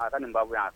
A ka nin baba yan wa